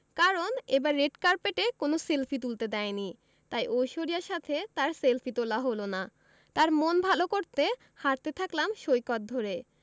কারণ এবার রেড কার্পেটে কোনো সেলফি তুলতে দেয়নি তাই ঐশ্বরিয়ার সাথে তার সেলফি তোলা হলো না তার মন ভালো করতে হাঁটতে থাকলাম সৈকত ধরে